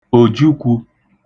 òjukwū